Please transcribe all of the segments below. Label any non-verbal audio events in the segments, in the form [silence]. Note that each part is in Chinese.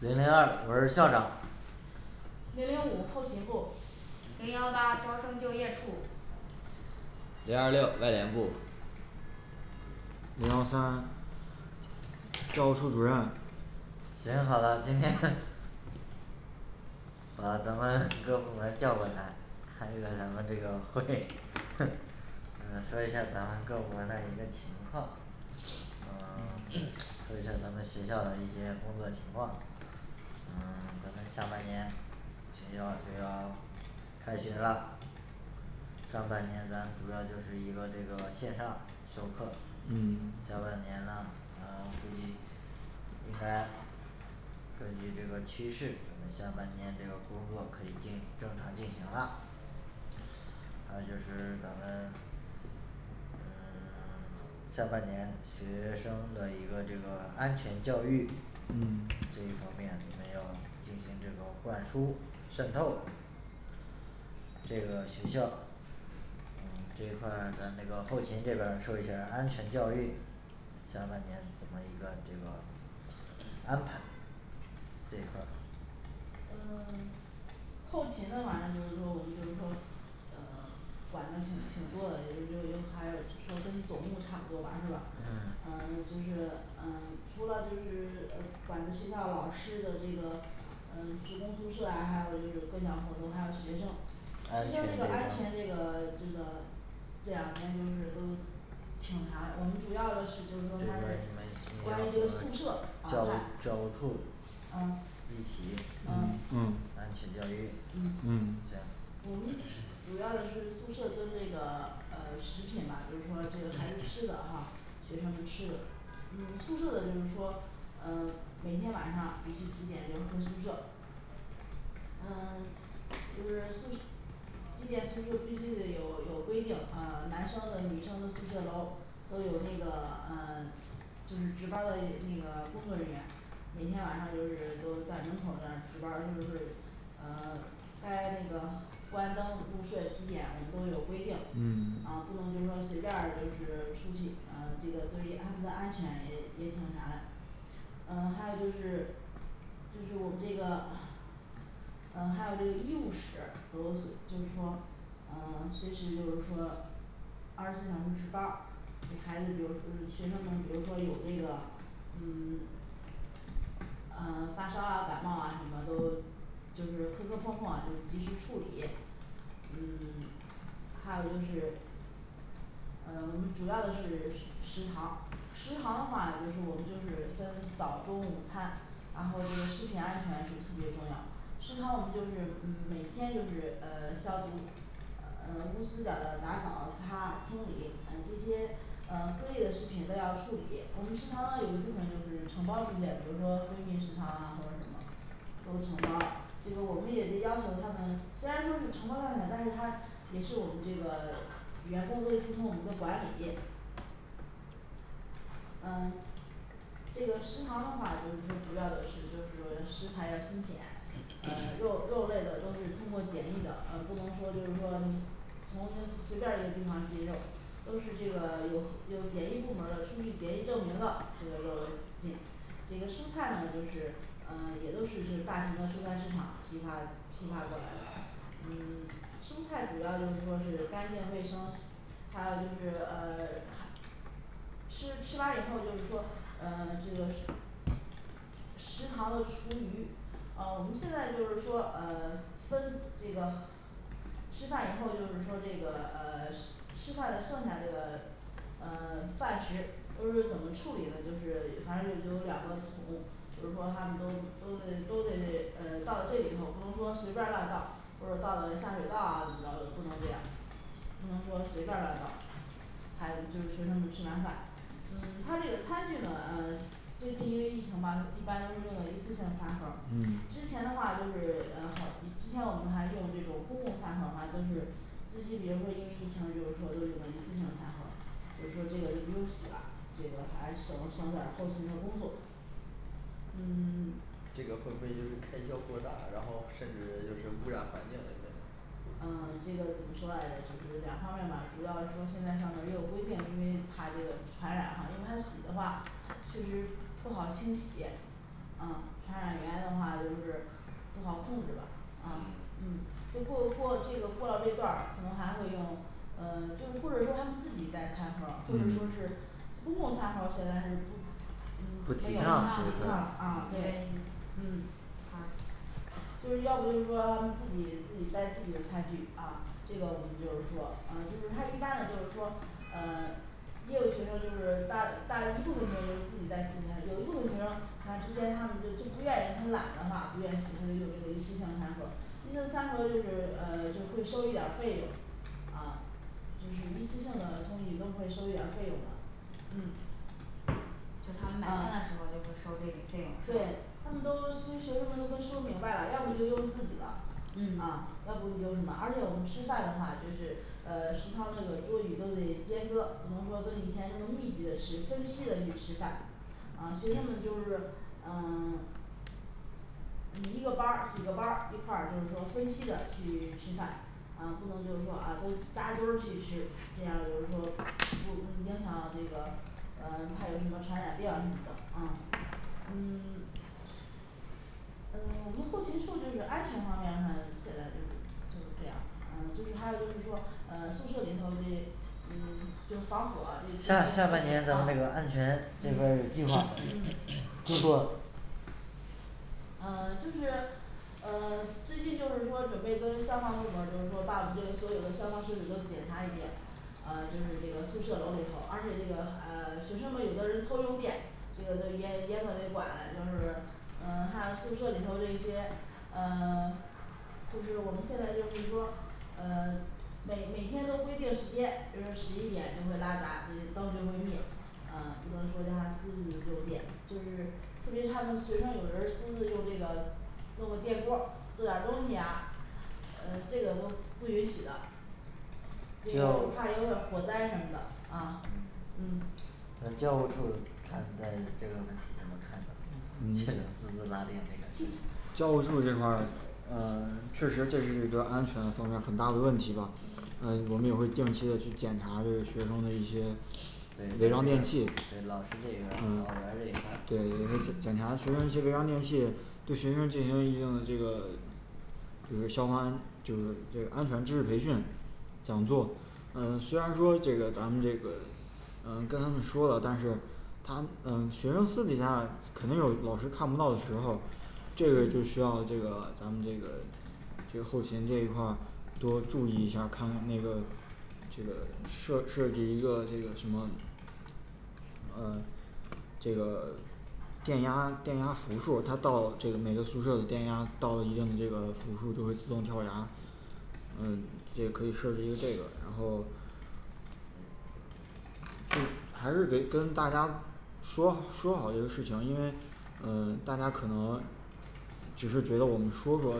零零二我是校长零零五后勤部零幺八招生就业处零二六外联部零幺三教务处主任行好了今天 [noise] 把咱们各部门儿叫过来开一个咱们这个会 [noise] 嗯说一下咱们各部门的一个情况 [crosstalk] 嗯 [silence] [crosstalk] 说一下咱们学校的一些工作情况嗯 [silence] 咱们下半年学校就要开学了上半年咱主要就是一个这个线上授课&嗯&下半年呢然后估计应该根据这个趋势咱们下半年这个工作可以进正常进行了那就是咱们嗯 [silence] 下半年学生的一个这个安全教育&嗯&这一方面我们要进行这个灌输渗透这个学校嗯这一块儿咱那个后勤这边儿说一下儿安全教育下半年咱们一个这个安排这一块儿嗯 [silence] 后勤的反正就是说我们就是说嗯 [silence] 管的挺挺多的，也就就还有说跟总务差不多是吧嗯嗯 [silence] 就是嗯 [silence] 除了就是嗯管着学校老师的这个嗯职工宿舍呀还有就是各项活动还有学生安学全生这个安全这这方个这个这两天就是都寝查我们主要的是就是说它是关于这个宿舍教防务范教务处嗯嗯嗯嗯嗯嗯嗯宿舍的就是说呃每天晚上必须几点就是回宿舍嗯 [silence] 就是宿舍 [unintelligible] 几点宿舍必须得有有规定嗯男生的女生的宿舍楼都有那个嗯 [silence] 就是值班儿的一那个工作人员每天晚上就是都在门口儿那儿值班儿就是嗯 [silence] 该那个关灯入睡几点我们都有规定嗯啊不能就说随便儿就是出去嗯这个对于他们的安全也也挺啥嘞嗯还有就是就是我们这个 [crosstalk] 嗯还有这个医务室都就是说嗯 [silence] 随时就是说二十四小时值班儿给孩子比如嗯学生们比如说有这个嗯 [silence] 啊发烧啊感冒啊什么都就是磕磕碰碰啊就是及时处理嗯 [silence] 还有就是嗯我们主要的是食食堂食堂的话就是我们就是分早中午餐然后这个食品安全是特别重要食堂我们就是嗯每天就是呃消毒呃无死角儿的打扫擦清理嗯这些嗯隔夜的食品都要处理我们食堂呢有一部分就是承包出去比如说回民食堂啊或者什么都承包了就是我们也得要求他们虽然说是承包了他但是他也是我们这个员工都得服从我们的管理嗯这个食堂的话就是说主要的是就是说食材要新鲜呃肉肉类的都是通过检疫的呃不能说就是说你从随便儿一个地方进肉都是这个有有检疫部门儿的出具检疫证明的这个肉的进这个蔬菜呢就是呃也都是是大型的蔬菜市场批发批发过来的嗯 [silence] 蔬菜主要就是说是干净卫生还有就是呃 [silence] 啥吃吃完以后就是说嗯 [silence] 这个食食堂的厨余嗯我们现在就是说呃 [silence] 分这个吃饭以后就是说这个呃 [silence] 吃下的剩下这个嗯饭食都是怎么处理呢就是反正有有两个桶就是说他们都都得都得嗯倒在这里头不能说随便儿乱倒或者倒在下水道啊怎么着就不能这样不能说随便儿乱倒还有就是学生们吃完饭嗯它这个餐具呢啊最近因为疫情嘛一般都是用的一次性餐盒儿之前的嗯话就是啊呵之前我们还用这种公共餐盒儿哈就是最近比如说因为疫情就是说都用的一次性餐盒儿就是说这个就不用洗了这个还省省点儿后勤的工作嗯 [silence] 嗯这个怎么说来着就是两方面儿吧主要说现在上面儿又有规定因为怕这个传染哈因为它洗的话确实不好清洗嗯传染源的话就是不好控制吧啊嗯嗯就过过这个过了这段儿可能还会用嗯就是或者说他们自己带餐盒儿或者说是嗯公共餐盒儿现在是不嗯没有不不不提提提倡倡倡了了了啊因为对嗯就是要不就是说让他们自己自己带自己的餐具啊这个我们就是说嗯就是他一般的就是说嗯 [silence] 也有学生就是大大一部分学生自己带自己餐有一部分学生他之前他们就就不愿意他懒的话不愿意洗他就用这个一次性餐盒儿一次性餐盒就是嗯就会收一点儿费用啊就是一次性的东西都会收一点儿费用的嗯就是他们买饭的时嗯候就会收这笔费用是对吧他们都其实学生们都说明白了要不就是用自己的嗯啊要不你就什么而且我们吃饭的话就是呃食堂那个桌椅都得间隔不能说跟以前那么密集的吃分批的去吃饭嗯学生们就是嗯 [silence] 你一个班儿几个班儿一块儿就是说分批的去吃饭啊不能就是说啊都扎堆儿去吃这样就是说不嗯影响这个呃怕有什么传染病什么的嗯嗯 [silence] 嗯我们后勤处就是安全方面上现在就是就是这样嗯就是还有就是说嗯宿舍里头这嗯就是防火这一些嗯嗯嗯嗯 [silence] 就是呃最近就是说准备跟消防部门儿就是说把我们这个所有的消防设施都检查一遍嗯就是这个宿舍楼里头而且这个啊学生们有的是偷偷用电这个就严严格得管了就是嗯还有宿舍里头这一些嗯 [silence] 就是我们现在就是说嗯每每天都规定时间比如十一点就会拉闸这些灯就会灭啊不能说叫他私自用电就是特别他们学生有的人儿私自用这个弄个电锅儿做点儿东西呀嗯这个都不允许的这个就怕有点儿火灾什么的啊嗯那教务处看待这个问题怎么看教务处这块儿呃确实这是一个安全方面儿很大的问题吧嗯嗯我们也会定期的去检查这个学生的一些违章电器嗯对就是检嗯查学生这些违章电器对学生进行一定的这个 [silence] 就是相关就是这个安全知识培训讲座嗯虽然说这个咱们这个嗯跟他们说了但是他们啊学生私底下肯定有老师看不到的时候儿这个就需嗯要这个咱们这个就后勤这一块儿多注意一下儿看他们那个这个设制的一个这个情况呃这个 [silence] 电压电压伏数儿它到这个每个宿舍的电压到了一定的这个伏数儿就会自动跳闸嗯这个可以设置一个这个然后就还是得跟大家说说好这个事情因为嗯大家可能只是觉得我们说出来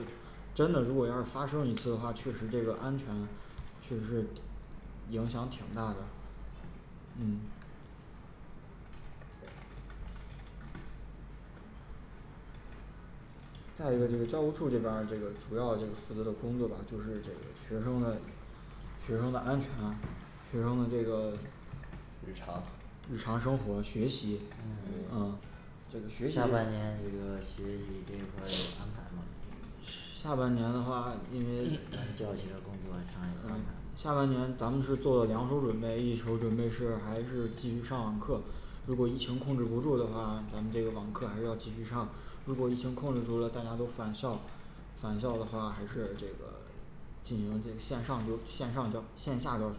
真的如果要是发生一次的话确实这个安全确实是影响挺大的嗯再就是教务处这边儿这个主要就负责工作就是学生们学生的安全学生的这个日日常常生活学习啊嗯这个学习下 [crosstalk] 半年这个学习这一块儿有安排吗下半年的话因为下半年咱们是做了两手儿准备一手儿准备是还是继续上网课如果疫情控制不住的话咱们这个网课还是要继续上如果疫情控制住了大家都返校返校的话还是这个进行这线上和线上教线下教学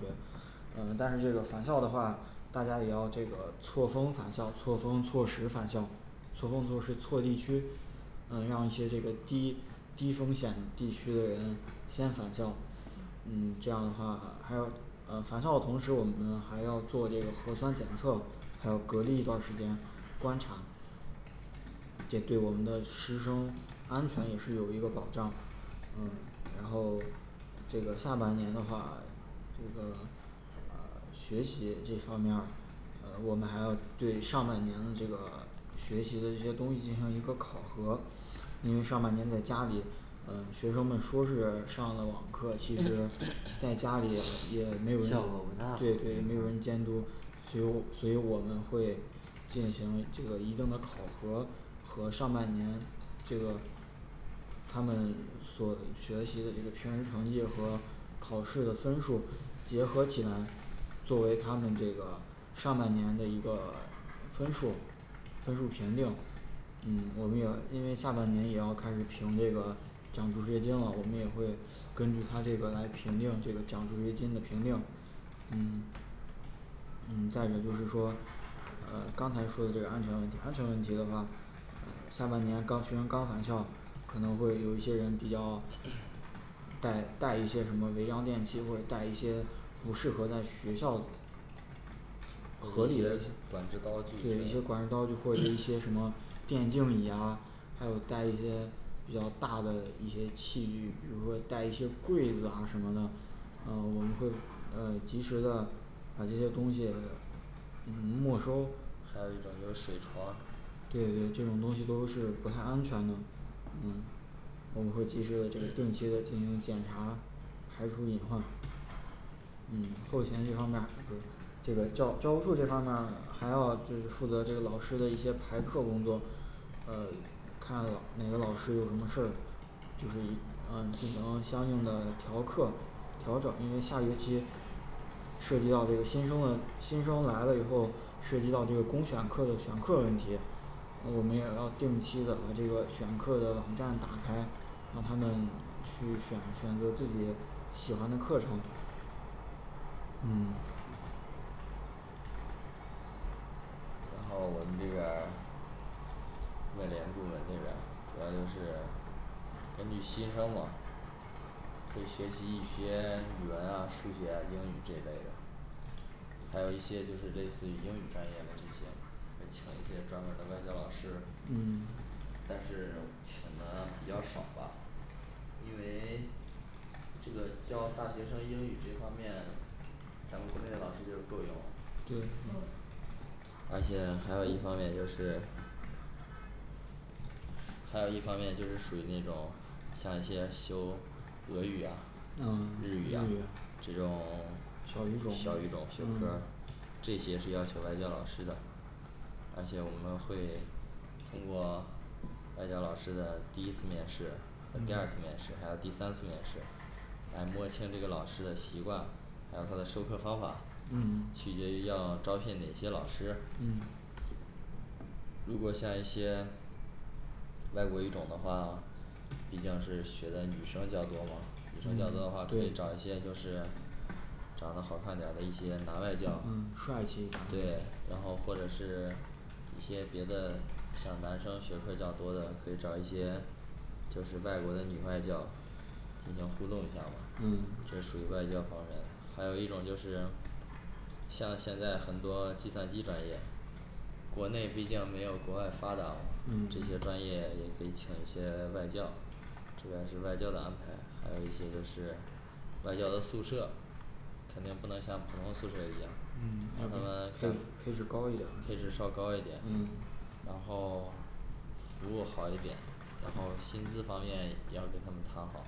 嗯但是这个返校的话大家也要这个错峰返校错峰错时返校错峰错时错地区嗯让一些这个低低风险地区的人先返校嗯嗯这样的话还有呃返校的同时我们还要做这个核酸检测还要隔离一段儿时间观察这对我们的师生安全也是有一个保障嗯然后这个下半年的话这个学习这方面儿我们还要对上半年这个学习的这些东西进行一个考核因为上半年在家里嗯学生们说是上了网课其实在家里也没有对也没有人监督所以所以我们会进行这个一定的考核和上半年这个他们所学习的这个平时成绩和考试的分数儿结合起来作为他们这个上半年的一个分数儿分数儿评定嗯我们也因为下半年也要开始评这个奖助学金嘛我们也会根据它这个来评定这奖助学金的评定嗯嗯再一个就是说呃刚才说的这个安全问题安全问题的话下半年刚学生刚返校可能会有一些人比较 [crosstalk] 带带一些什么违章电器或者带一些不适合在学校合理的管制刀具对一些管制刀具或者是一些什么电竞椅呀还有带一些比较大的一些器具比如说带一些柜子啊什么的嗯我们都呃及时的把这些东西嗯没收还有一种就是水床对对这种东西都是不太安全的嗯我们会及时的就是定期的进行检查排除隐患嗯后勤这方面儿这个教教务处这方面儿还要就是负责这个老师的一些排课工作呃看哪个老师有什么事儿就是嗯进行了相应的调课调整因为下学期涉及到这新生的新生来了以后涉及到这个公选课的选课问题我们也要定期的把这个选课的网站打开让他们去选选择自己喜欢的课程嗯然后我们这边儿外联部门这边儿可能是根据新生嘛会学习一些语文啊数学啊英语这一类的还有一些就是类似于英语方面的这些也请了一些专门的外教老师嗯但是请的比较少吧因为这个教大学生英语这方面咱们国内的老师就够用了对对而且还有一方面就是还有一方面就是属于那种像一些修俄语呀啊日日语语呀小这种 [silence] 小语语种种学科儿这些是要请外教老师的而且我们会通过外教老师的第一次面试和第二次面试还有第三次面试来摸清这个老师的习惯还有他的授课方法嗯取决于要招聘哪些老师嗯如果像一些外国语种的话毕竟是学的女生较多嘛女生较多的话会找一些就是长得好看点儿的一些男外教嗯帅气一点对然儿后或者是一些别的像男生选科儿较多的可以找一些就是外国的女外教进行互动一下吧这属嗯于外教方面还有一种就是像现在很多计算机专业国内毕竟没有国外发达嘛这些专嗯业也可以请一些外教这边儿是外教的安排还有一些是外教的宿舍嗯配配置高一点儿嗯服务好一点然后薪资方面要跟他们谈好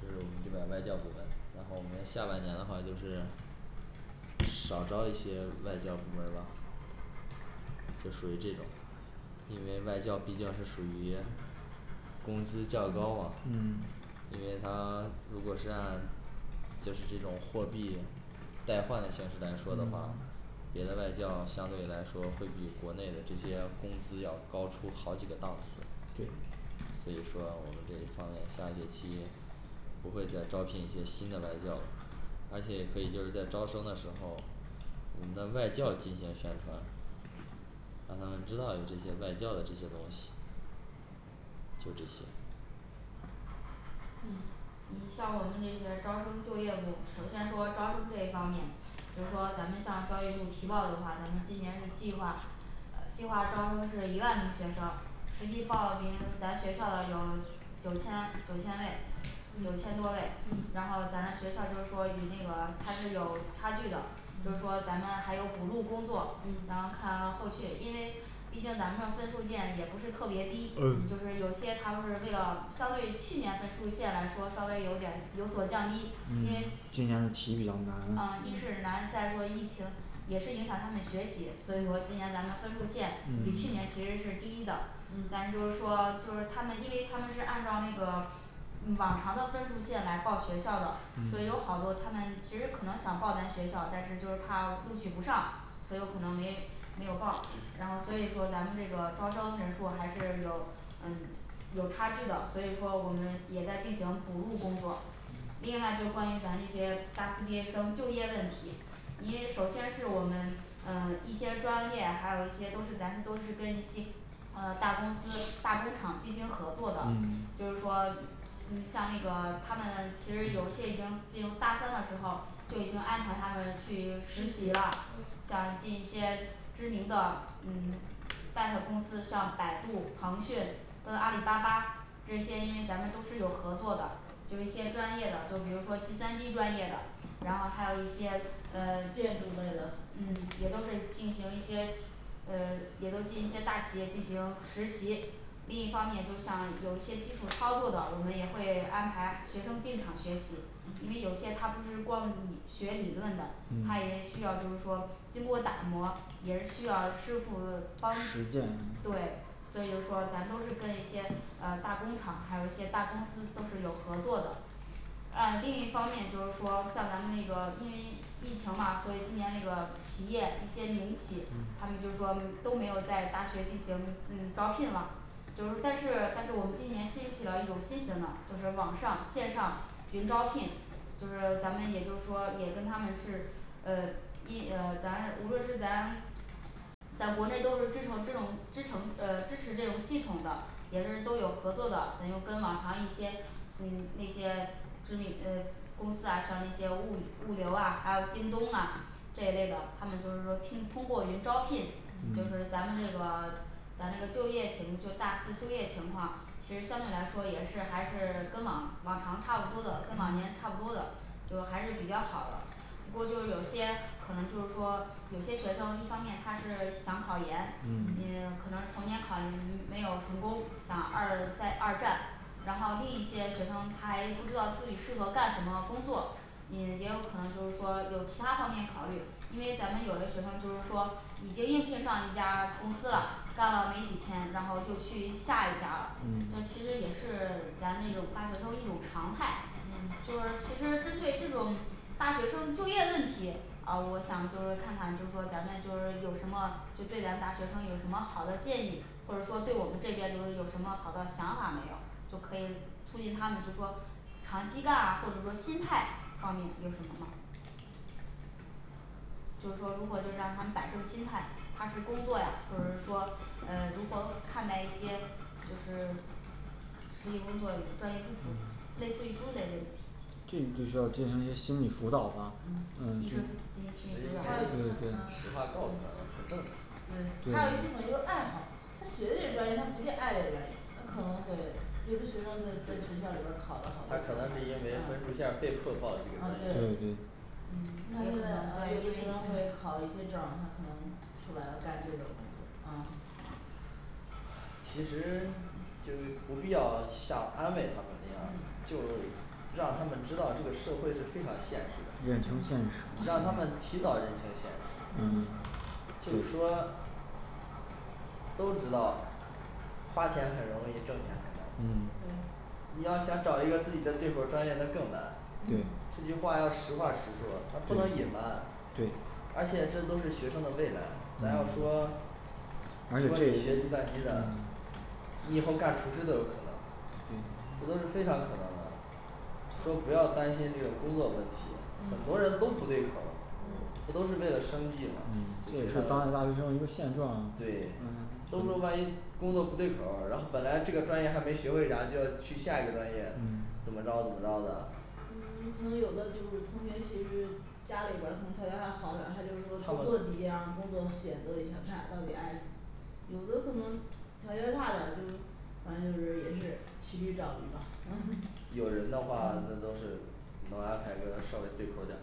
这是我们这边儿外教部门然后我们下半年的话就是少招一些外教部门儿了就属于这种因为外教毕竟是属于工资较高啊嗯因为他如果是按就是这种货币代换的形式来说的话嗯别的外教相对来说会比国内的这些工资要高出好几个档次对所以说我们这一方面下学期不会再招聘一些新的外教而且可以就是在招生的时候我们的外教进行宣传我们知道的这些外教的这些东西就这些嗯你像我们这些招生就业部首先说招生这一方面就是说咱们向教育部提报的话咱们今年是计划呃计划招收是一万名学生实际报名咱学校的有九千九千嗯嗯位九千多位然后咱学校就是说与那个它是有差距的嗯就是说咱们还有补录工作然嗯后看后续因为毕竟咱们这分数线也不是特别低嗯就是有些他是为了相对去年分数线来说稍微有点儿有所降低嗯因为今年的题比较难嗯一是嗯难再说疫情也是影响他们学习所以说今年咱们分数线比去年嗯其实是低的但就是嗯说就是他们因为他们是按照那个往常的分嗯数线来报学校的所以有好嗯多他们其实可能想报咱学校但是就是怕录取不上所以有可能没没有报然后所以说咱们这个招生人数还是有嗯有差距的所以说我们也在进行补录工作另外就关于咱那些大四毕业生就业问题因为首先是我们嗯一些专业还有一些都是咱们都是跟一些嗯大公司大工厂进行合作的就是嗯说嗯像那个他们其实有些已经进入大三的时候就已经安排他们去实实习习了嗯像进一些知名的嗯 [silence] 大的公司像百度腾讯跟阿里巴巴这些因为咱们都是有合作的就一些专业的就比如说计算机专业的然后还有一些呃建筑类的嗯也都是进行一些嗯也都进一些大企业进行实习另一方面就像有一些基础操作的我们也会安排学生进厂学习因为有嗯些它不是光学理论的它也嗯需要就是说经过打磨也是需要师傅帮实践对所以就说咱都是跟一些呃大工厂还有一些大公司都是有合作的啊另一方面就是说像咱们那个因为疫情嘛所以今年那个企业一些名企他们就嗯说都没有在大学进行嗯招聘了就是但是但是我们今年新起了一种新型的就是网上线上云招聘就是咱们也就是说也跟他们是嗯一嗯咱无论是咱咱国内都是支撑这种支撑嗯支持这种系统的也是都有合作的咱有跟往常一些嗯那些知名呃公司啊像那些物物流啊还有京东啊这一类的他们就是说听通过云招聘就是嗯嗯咱们这个咱那个就业情就是大四就业情况其实相对来说也是还是跟往往常差不多的跟往年差嗯不多的就还是比较好的不过就是有些可能就是说有些学生一方面他是想考研嗯嗯嗯可能同年考研没有成功想二再二战然后另一些学生他还不知道自己适合干什么工作也也有可能就是说有其他方面考虑因为咱们有的学生就是说已经应聘上一家公司了干了没几天然后又去下一家了这嗯其实也是咱那种大学生一种常态嗯就是其实针对这种大学生就业问题啊我想就是看看就是说咱们就是有什么就对咱大学生有什么好的建议或者说对我们这边就是有什么好的想法没有就可以促进他们就说长期干啊或者就说心态方面有什么吗就是说如何就让他们摆正心态他是工作呀或者是说嗯如何看待一些就是实习工作与专业不符类似于诸类问题这你就需要进行一些心理辅导了呃嗯一是进行心理辅导实话告诉他很正常对还有一部分就是爱好他学这个专业他不一定爱这个专业他可能会有的学生在在学校里边儿考的好就嗯他对可能是因为分数线儿被迫报的这一个专对对业嗯也可能对因为其实就是不必要像安慰他们那样就嗯让他们知道这个社会是非常现实的认清现嗯让他们实提早认清现实嗯就是说都知道花钱很容易挣钱很嗯难对你要想找一个自己的对口儿专业那更难这句话嗯要实话实说他不能隐瞒对而且这都是学生的未来咱要说专业学计算机的你以后干厨师都有可能对这都是非常可能的说不要担心这个工作问题很多嗯人都不对口儿不都嗯是为了生计这也是当代嘛大学生的一个现状哈对都说万一工作不对口儿然后本来这个专业还没学会啥就要去下一个专业怎嗯么着怎么着的嗯 [silence] 可能有的就是同学其实家里边儿可能条件还好点儿他就说多做几样工作选择一下看看到底爱什么有的可能条件差点儿就是反正就是也是骑驴找驴吧 [noise] 嗯有人的话那都是能安排个稍微对口点儿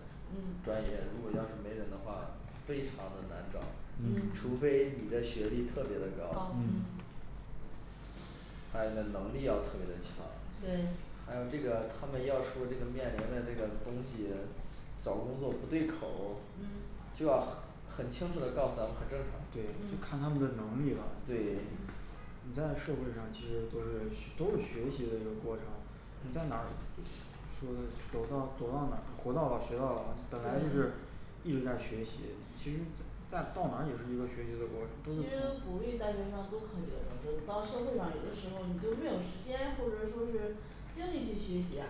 专业嗯如果要是没人的话非常的难找嗯除非你的学历特别的高高嗯还有你的能力要特别的强对还有这个他们要说这个面临的这个东西找工作不对口儿嗯就要很清楚地告诉他们很正对常对看他嗯们的能力了一般在社会上其实都是都是学习的一个过程你在哪儿就是走到走到哪儿活到老学到老本来就是对一直在学习其实在到哪儿也是一个学习的过其程实多鼓励大学生多考几个证就是到社会上有的时候你就没有时间或者说是精力去学习呀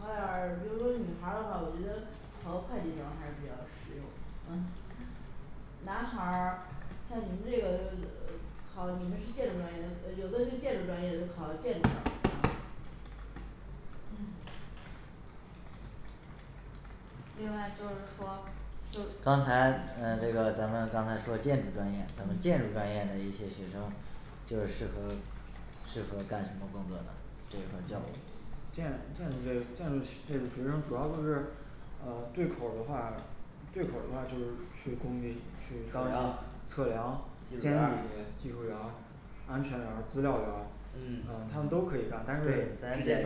考点儿比如说女孩儿的话我觉得考个会计证儿还是比较实用嗯 [crosstalk] 另外就是说就刚才嗯这个咱们刚才说建筑专业咱们建筑专业嗯的一些学生建建筑类建筑系的学生主要就是呃对口儿的话测量技术员儿安全员儿资料员儿嗯他们都可以干对